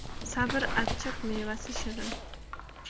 sabr achchiq mevasi shirin